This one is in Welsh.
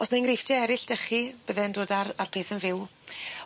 os na' enghreifftie eryll 'dych chi bydden dod â'r â'r peth yn fyw?